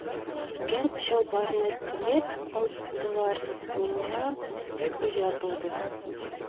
Икән – чалбарны телеп алдылар, миңа бик оят булды,